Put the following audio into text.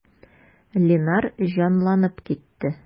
Линар җанланып китте.